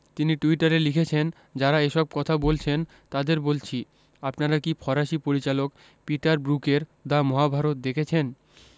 তিনি টুইটারে লিখেছেন যাঁরা এসব কথা বলছেন তাঁদের বলছি আপনারা কি ফরাসি পরিচালক পিটার ব্রুকের “দ্য মহাভারত” দেখেছেন